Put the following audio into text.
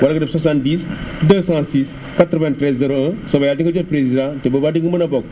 wala nga def 70 206 93 01 bu soobee yàlla di nga jot président te bu boobaa di nga mën a bokk